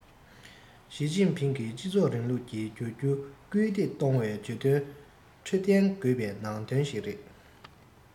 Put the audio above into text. ཞིས ཅིན ཕིང གིས སྤྱི ཚོགས རིང ལུགས ཀྱི འགྱུར རྒྱུར སྐུལ འདེད གཏོང བའི བརྗོད དོན ཁྲོད ལྡན དགོས པའི ནང དོན ཞིག རེད